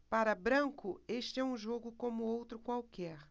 para branco este é um jogo como outro qualquer